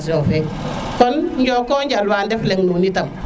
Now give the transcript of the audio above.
kon njoko njal wa ndef leng nuni tam